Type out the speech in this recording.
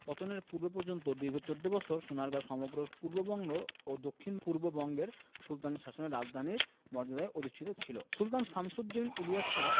পতনের পূর্ব পর্যন্ত দীর্ঘ চৌদ্দ বছর সোনারগাঁও সমগ্র পূর্ববঙ্গ ও দক্ষিণপূর্ব বঙ্গের সুলতানি শাসনের রাজধানীর মর্যাদায় অধিষ্ঠিত ছিল সুলতান শামসুদ্দীন ইলিয়াস শাহ